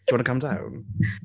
Do you want to calm down?